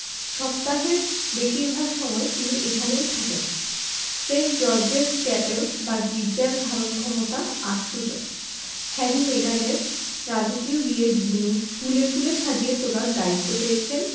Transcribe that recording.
সপ্তাহের বেশির ভাগ সময় তিনি এখানেই থাকেন সেন্ট জর্জেস চ্যাপেল বা গির্জার ধারণক্ষমতা ৮০০ জন হ্যারি মেগানের রাজকীয় বিয়ের ভেন্যু ফুলে ফুলে সাজিয়ে তোলার দায়িত্ব পেয়েছেন